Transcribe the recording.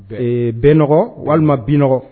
Bɛn nɔgɔn walima bi nɔgɔn